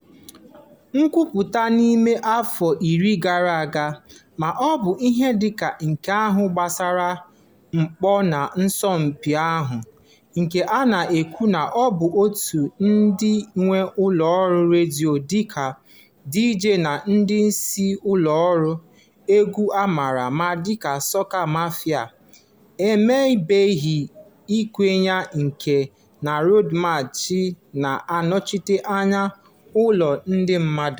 Nkwupụta n'ime afọ iri gara aga ma ọ bụ ihe dị ka nke ahụ gbasara mpụ n'asọmpi ahụ — nke a na-ekwu na ọ bụ òtù ndị nwe ụlọ ọrụ redio dị ike, DJ na ndị isi ụlọ ọrụ egwu a maara dị ka "sọka mafia" — emebibeghị nkwenye nke na Road March na-anọchite anya olu ndị mmadụ.